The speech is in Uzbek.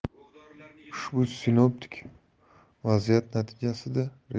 ushbu sinoptik vaziyat natijasida respublika